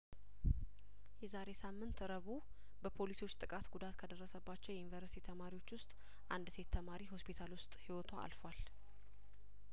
የዛሬ ሳምንት ረቡእ በፖሊሶች ጥቃት ጉዳት ከደረሰባቸው የዩኒቨርስቲ ተማሪዎች ውስጥ አንድ ሴት ተማሪ ሆስፒታል ውስጥ ህይወቷ አልፏል